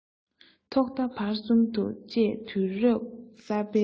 ཐོག མཐའ བར གསུམ དུ བཅས དུས སྐབས གསར པའི